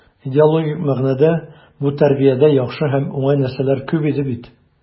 Идеологик мәгънәдә бу тәрбиядә яхшы һәм уңай нәрсәләр күп иде бит.